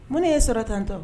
Mun ye sɔrɔ tan tɔ